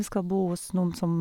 Vi skal bo hos noen som...